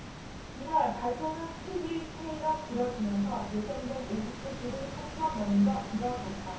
이날 발표는 특위 회의가 길어지면서 예정된 오후 세 시를 한참 넘겨 이뤄졌다